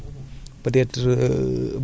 ñenn ñii faroo gu ñu